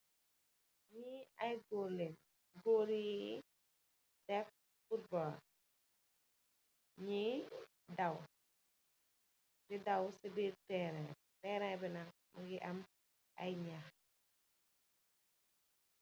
Lee aye goor len goor yuye def football nuy daw de daw se birr tereh be, tereh be nak muge am aye nyaah.